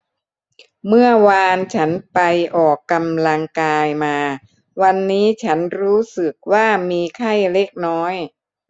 เมื่อวานฉันไปออกกำลังกายมาวันนี้ฉันรู้สึกว่ามีไข้เล็กน้อย